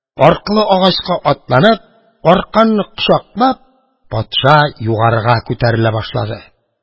Аркылы агачка атланып, арканны кочаклап, патша югарыга күтәрелә башлады.